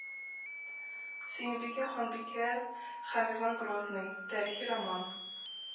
Сөембикә ханбикә һәм Иван Грозный: тарихи роман